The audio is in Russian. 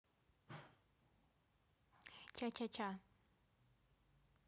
ча ча ча